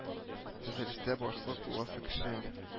Төзелештә башлык буласы кеше